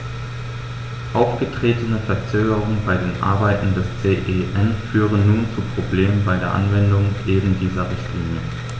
Aufgetretene Verzögerungen bei den Arbeiten des CEN führen nun zu Problemen bei der Anwendung eben dieser Richtlinie.